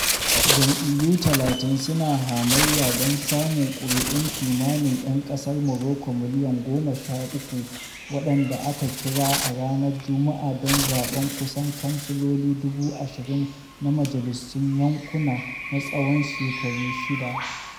Jam’iyyu talatin suna hamayya don samun ƙuri’un kimanin ‘yan ƙasar Morocco miliyan 13 waɗanda aka kira a ranar Juma’a don zaɓen kusan kansiloli 20,000 na majalisun yankuna na tsawon shekaru shida.